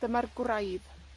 Dyma'r gwraidd.